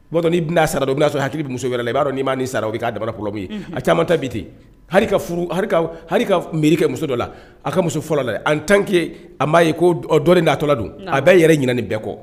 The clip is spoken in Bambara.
O dɔn bɛna'a sara dɔn n' sɔrɔ ha muso wɛrɛ yɛrɛ la b'a dɔn ni m ma'i sara i k'a da a caman ta bi ten mike muso dɔ la a ka muso fɔlɔ la an tanke a' ye ko dɔ' a tɔ don a bɛ yɛrɛ ɲin nin bɛɛ kɔ